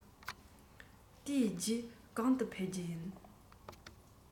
དེ རྗེས གང དུ ཕེབས རྒྱུ ཡིན